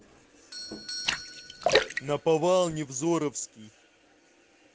наповал невзоровский